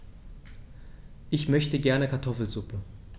Ich möchte gerne Kartoffelsuppe.